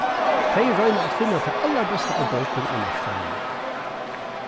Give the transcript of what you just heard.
tey royna at finna tað allarbesta av bókum á marknaðinum